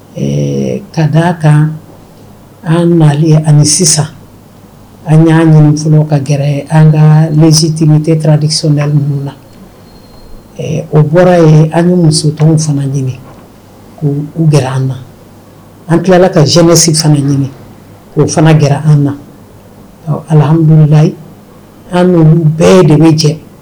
Ka d aa kan anale ani sisan an y'an fɔlɔ ka gɛrɛ an ka jiti tɛ taara desɔnda minnu na o bɔra ye an ni muso tan fana ɲini k u kɛra an na an tilala ka jɛmɛ si fana ɲini k' fana g an na ɔ aladulayi an bɛɛ ye de bɛ jɛ